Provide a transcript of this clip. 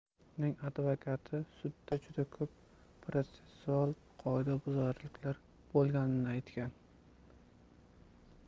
uning advokati sudda juda ko'p protsessual qoidabuzarliklar bo'lganini aytgan